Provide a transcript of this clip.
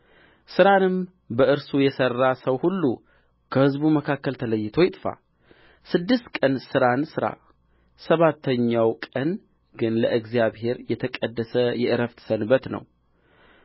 ሥራንም በእርሱ የሠራ ሰው ሁሉ ከሕዝቡ መካከል ተለይቶ ይጥፋ ስድስት ቀን ሥራን ሥራ ሰባተኛው ቀን ግን ለእግዚአብሔር የተቀደሰ የዕረፍት ሰንበት ነው